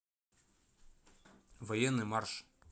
военный марш